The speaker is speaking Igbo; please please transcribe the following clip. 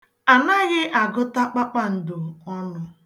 Anaghị agụta kpakpando ọnụ.